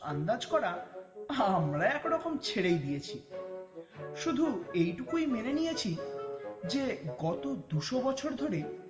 আন্দাজ করা আমরা ছেড়েই দিয়েছি শুধু এটুকুই মেনে নিয়েছে যে কত দুশো বছর ধরে